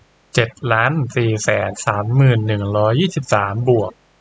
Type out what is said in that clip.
เจ็ดล้านสี่แสนสามหมื่นหนึ่งร้อยยี่สิบสามบวก